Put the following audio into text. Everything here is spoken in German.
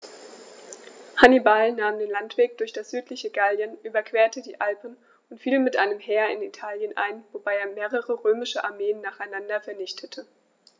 Hannibal nahm den Landweg durch das südliche Gallien, überquerte die Alpen und fiel mit einem Heer in Italien ein, wobei er mehrere römische Armeen nacheinander vernichtete.